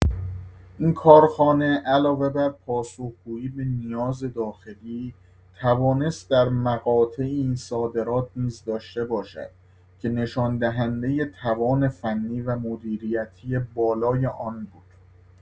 این کارخانه علاوه بر پاسخ‌گویی به نیاز داخلی، توانست در مقاطعی صادرات نیز داشته باشد که نشان‌دهنده توان فنی و مدیریتی بالای آن بود.